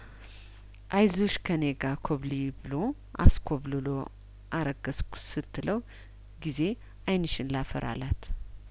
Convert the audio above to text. አይዞሽ ከኔጋ ኮብልዪ ብሎ አስኮብልሎ አረገዝኩ ስትለው ጊዜ አይንሽን ላፈር አላት